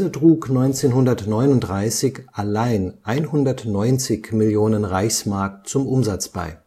trug 1939 allein 190 Millionen RM zum Umsatz bei